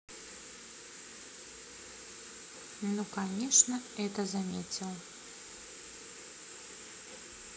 ну конечно это заметил